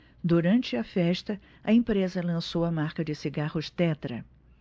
durante a festa a empresa lançou a marca de cigarros tetra